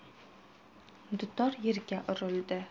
dutor yerga urildi